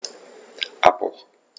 Abbruch.